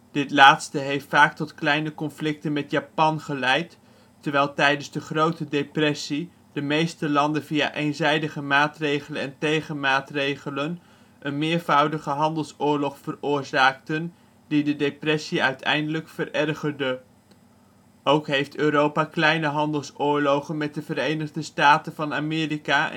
Dit laatste heeft vaak tot kleine conflicten met Japan geleid, terwijl tijdens de Grote Depressie de meeste landen via eenzijdige maatregelen en tegenmaatregelen een meervoudige handelsoorlog veroorzaakten die de depressie uiteindelijk verergerde. Ook heeft Europa kleine handelsoorlogen met de Verenigde Staten van Amerika